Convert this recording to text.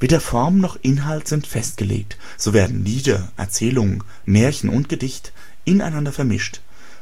Weder Form noch Inhalt sind festgelegt. So werden Lieder, Erzählungen, Märchen und Gedicht ineinander vermischt.